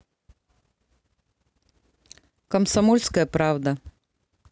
комсомольская правда